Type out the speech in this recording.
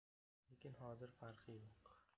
lekin hozir farqi yo'q